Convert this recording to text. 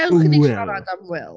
Will... Dewch i ni siarad am Will.